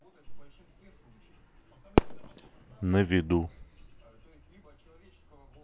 на виду